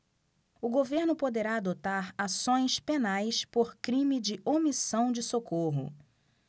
o governo poderá adotar ações penais por crime de omissão de socorro